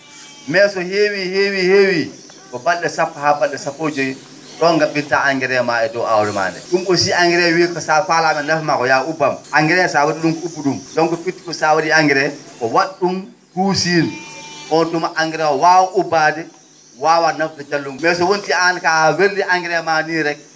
mais so heewi heewi heewi ko bal?e sappo haa bal?e sappo e joyi ?on gab?irta engrais ma e dow aawdi maa ndee ?um aussi engrais wi ko so a faalaama nafamaa ko yo a ubbam engrais so a wa?ii ?um ubbu ?um donc firti ko so a wa?ii engrais ko wat?um huusin oon tuma engrais oo waawa ubbaade waawa nafde jallungol ngol mais so wontii aan ko a weddi engrais ma ni rk